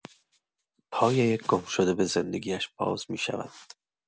پای یک گمشده به زندگی‌اش باز می‌شود.